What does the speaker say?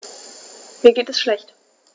Mir geht es schlecht.